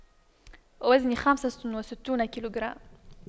وزني خمسة وستون كيلوغرام